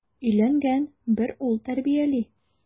Өйләнгән, бер ул тәрбияли.